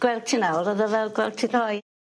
gweld ti nawr o'dd e fel gweld ti ddoe.